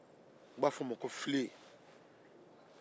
u b'a fɔ a ma ko filen